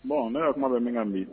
Bon ne ka kuma bɛ min kan bi